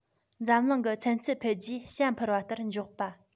འཛམ གླིང གི ཚན རྩལ འཕེལ རྒྱས བྱ འཕུར བ ལྟར མགྱོགས པ